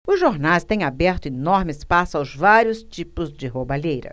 os jornais têm aberto enorme espaço aos vários tipos de roubalheira